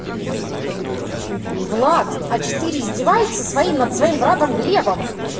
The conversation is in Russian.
влад а четыре издевается своим над своим братом глебом